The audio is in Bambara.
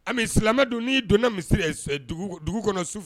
Ami silamɛ dun n'i donna misi dugu kɔnɔ sufɛ